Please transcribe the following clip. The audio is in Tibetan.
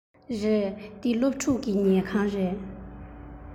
རེད འདི སློབ ཕྲུག གི ཉལ ཁང རེད